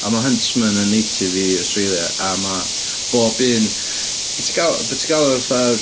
A ma' Huntsman yn native i Australia. A ma' bob un ... be ti gal- be ti galw fatha'r...